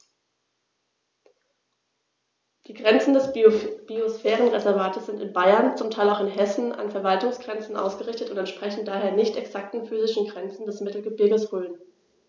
Die Grenzen des Biosphärenreservates sind in Bayern, zum Teil auch in Hessen, an Verwaltungsgrenzen ausgerichtet und entsprechen daher nicht exakten physischen Grenzen des Mittelgebirges Rhön.